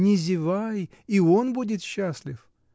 Не зевай, и он будет счастлив.